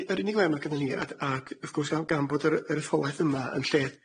A yr u- yr unig le ma' gynnon ni a- a g- wrth gwrs a- gan bod yr yr etholaeth yma yn lle